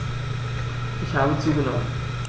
Ich habe zugenommen.